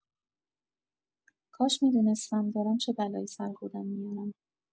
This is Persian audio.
کاش می‌دونستم دارم چه بلایی سر خودم می‌آرم.